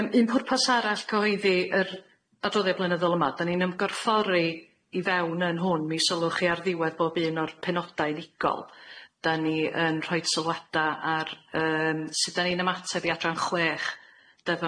Yym un pwrpas arall cyhoeddi yr adroddiad blynyddol yma dan ni'n ymgymffori i i fewn yn hwn mi sylwch chi ar ddiwedd bob un o'r penodau unigol dan ni yn rhoid sylwada ar yym sud dan ni'n ymateb i adran chwech deddf